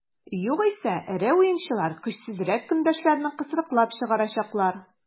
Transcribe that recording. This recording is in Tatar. Югыйсә эре уенчылар көчсезрәк көндәшләрне кысрыклап чыгарачаклар.